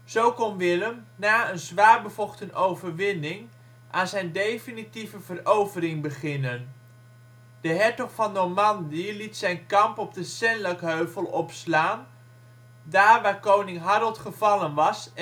Zo kon Willem, na een zwaarbevochten overwinning, aan zijn definitieve verovering beginnen. De hertog van Normandië liet zijn kamp op de Senlac-heuvel opslaan, daar waar koning Harold gevallen was